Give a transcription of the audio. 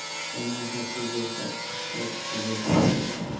yomon ho'kizga shox bitsa suzib o'ldirar